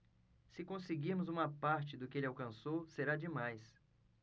se conseguirmos uma parte do que ele alcançou será demais